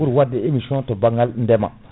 pour wadde émission to banggal ndeema